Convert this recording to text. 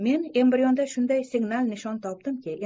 men embrionda shunday signal nishon topdimki